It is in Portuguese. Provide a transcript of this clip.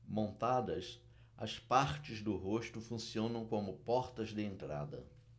montadas as partes do rosto funcionam como portas de entrada